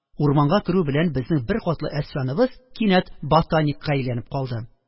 Урманга керү белән, безнең беркатлы Әсфаныбыз кинәт ботаникка әйләнеп калды.